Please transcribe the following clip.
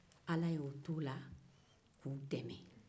ala y'u to o la ka u dɛmɛ